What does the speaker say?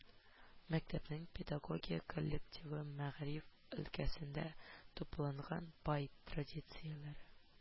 Мәктәпнең педагогия коллективы мәгариф өлкәсендә тупланган бай традицияләрне